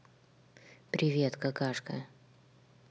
привет какашка